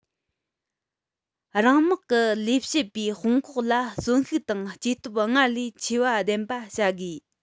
རང དམག གི ལས བྱེད པའི དཔུང ཁག ལ གསོན ཤུགས དང སྐྱེ སྟོབས སྔར ལས ཆེ བ ལྡན པ བྱ དགོས